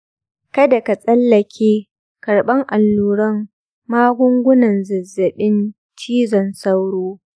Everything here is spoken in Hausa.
kada ka tsallake karban alluran magungunan zazzabin cizon sauro